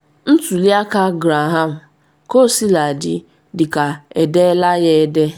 Ntuli aka Graham, kosiladị, dịka edeela ya ede.